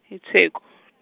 iTheku .